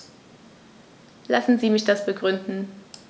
Lassen Sie mich das begründen.